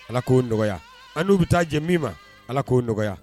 Ala k'o nɔgɔya an n'u bɛ taa jɛ min ma ala k'o nɔgɔya